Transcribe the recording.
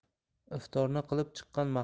iftorni qilib chiqqan mahmud